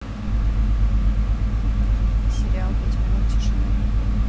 сериал пять минут тишины